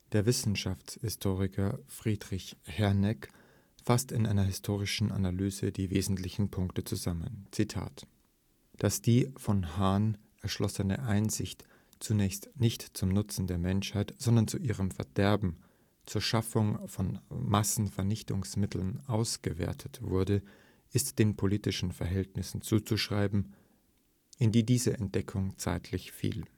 Der Wissenschaftshistoriker Friedrich Herneck fasst in einer historischen Analyse die wesentlichen Punkte zusammen: „ Dass die von Hahn erschlossene Einsicht zunächst nicht zum Nutzen der Menschheit, sondern zu ihrem Verderben, zur Schaffung von Massenvernichtungsmitteln, ausgewertet wurde, ist den politischen Verhältnissen zuzuschreiben, in die diese Entdeckung zeitlich fiel